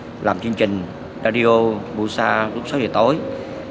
làm chương trình ra đi ô bu sa lúc sáu giờ tôi